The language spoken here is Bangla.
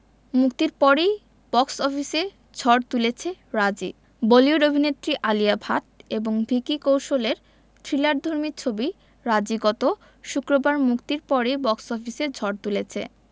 মুক্তির পরই বক্স অফিসে ঝড় তুলেছে রাজি বলিউড অভিনেত্রী আলিয়া ভাট এবং ভিকি কৌশলের থ্রিলারধর্মী ছবি রাজী গত শুক্রবার মুক্তির পরই বক্স অফিসে ঝড় তুলেছে